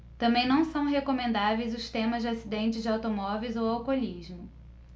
também não são recomendáveis os temas de acidentes de automóveis ou alcoolismo